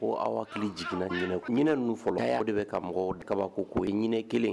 Ko aw hakili jiginna ɲinin ninnu fɔlɔ o de bɛ ka mɔgɔ kaba ko koo ye ɲinin kelen